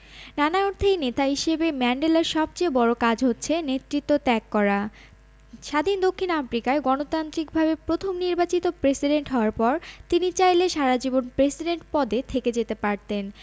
নানা অর্থেই নেতা হিসেবে ম্যান্ডেলার সবচেয়ে বড় কাজ হচ্ছে নেতৃত্ব ত্যাগ করা স্বাধীন দক্ষিণ আফ্রিকায় গণতান্ত্রিকভাবে প্রথম নির্বাচিত প্রেসিডেন্ট হওয়ার পর তিনি চাইলে সারা জীবন প্রেসিডেন্ট পদে থেকে যেতে পারতেন